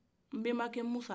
nbenba cɛ musa